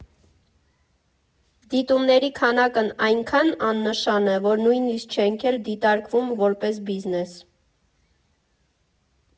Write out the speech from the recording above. Դիտումների քանակն այնքան աննշան է, որ նույնիսկ չենք էլ դիտարկվում որպես բիզնես։